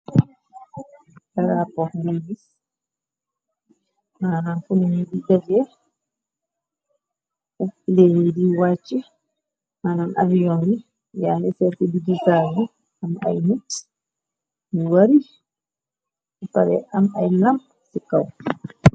Rappor monis mna fnuñbi jage uppileen yi di wàcci manan avion yi yaane serfi bigizaar yi am ay nit yu wari nu pare am ay nam ci kaw.